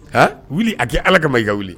Ha ! wili ! a kɛ Ala kama i ka wili!